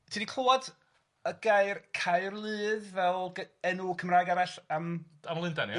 Ti 'di clywed y gair Caerludd fel g- enw Cymraeg arall am... Am Lundan ia? ...